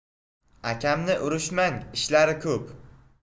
akamni urishmang ishlari ko'p